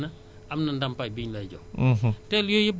yow am na ndàmpaay bi ñu lay jox bu fekkee yow la ñu tooñ